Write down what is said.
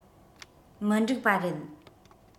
མི འགྲིག པ རེད